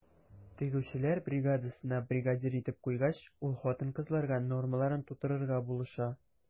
Тегүчеләр бригадасына бригадир итеп куйгач, ул хатын-кызларга нормаларын тутырырга булыша.